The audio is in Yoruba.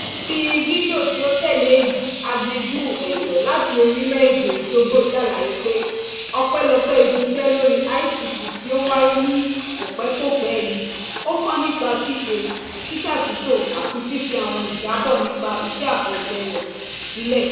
Níbi fídíò tí ó tẹ́lẹ̀ èyí, Agnegue Enyo láti orílẹ̀ èdè Togo ṣàlàyé pé ọpẹ́lọpẹ́ ibi iṣẹ́ lórí ICT tí ó wáyé ní kòpẹ́kòpẹ́ yìí, ó kọ́ nípa ṣíṣe, sísàtúntò àti fífi àwọn ìjábọ̀ nípa iṣẹ́ àkànṣe rẹ̀ sílẹ̀.